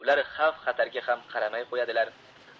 ular xavf xatarga ham qaramay qo'yadilar